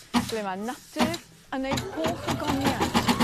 ble ma' natur yn ei holl ogoniant